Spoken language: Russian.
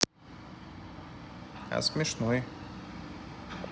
а смешной